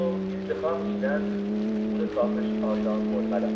bu izdihom ichidan uni topish oson bo'lma di